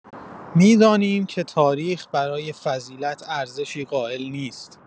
می‌دانیم که تاریخ برای فضیلت ارزشی قائل نیست.